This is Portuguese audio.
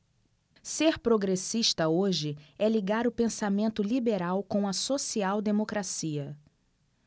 ser progressista hoje é ligar o pensamento liberal com a social democracia